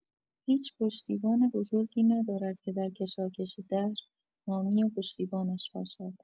هیچ پشتیبان بزرگی ندارد که در کشاکش دهر حامی و پشتیبانش باشد.